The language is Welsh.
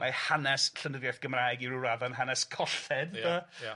Mae hanes llenyddiaeth Gymraeg i ryw raddau yn hanes colled . Ia ia.